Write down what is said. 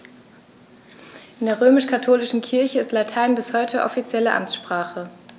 In der römisch-katholischen Kirche ist Latein bis heute offizielle Amtssprache.